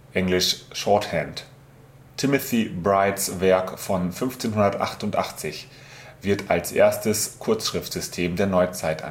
engl. shorthand). Timothy Brights Werk von 1588 wird als erstes Kurzschriftsystem der Neuzeit